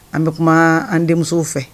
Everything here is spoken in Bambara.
An bɛ kuma an denmuso fɛ.